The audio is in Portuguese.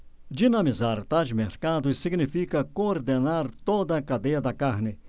dinamizar tais mercados significa coordenar toda a cadeia da carne